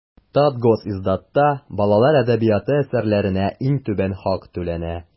Татгосиздатта балалар әдәбияты әсәрләренә иң түбән хак түләнә.